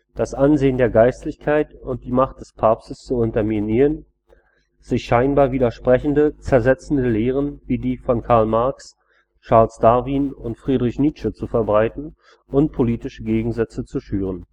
das Ansehen der Geistlichkeit und die Macht des Papstes zu unterminieren, sich scheinbar widersprechende, zersetzende Lehren wie die von Karl Marx, Charles Darwin und Friedrich Nietzsche zu verbreiten und politische Gegensätze zu schüren